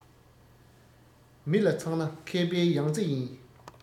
མི ལ ཚང ན མཁས པའི ཡང རྩེ ཡིན